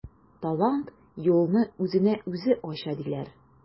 Талант юлны үзенә үзе ача диләр.